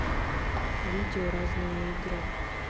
видео разные игры